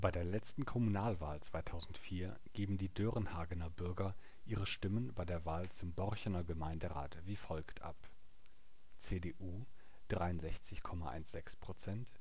der letzten Kommunalwahl 2004 geben die Dörenhagener Bürger ihre Stimmen bei der Wahl zum Borchener Gemeinderat wie folgt ab: CDU 63,16 %